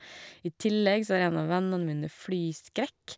I tillegg så har en av vennene mine flyskrekk.